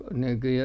-